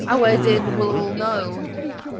A wedyn we'll all know.